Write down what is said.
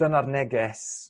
dyna'r neges